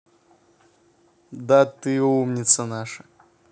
да ты умница наша